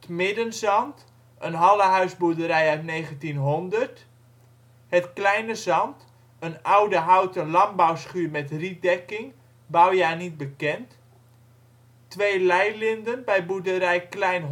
Middenzand, hallehuisboerderij uit 1900 Het Kleine Zand, oude houten landbouwschuur met rietdekking, bouwjaar niet bekend Twee leilinden bij boerderij Klein